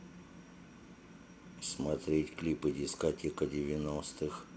смотреть клипы дискотека девяностых